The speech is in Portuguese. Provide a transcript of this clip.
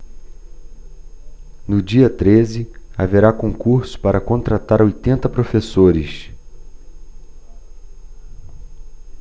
no dia treze haverá concurso para contratar oitenta professores